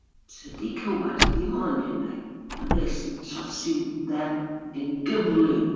Tydi cywair ddim o anghenrhaid yn beth sy'n trosi'n ddel ac yn gyflym.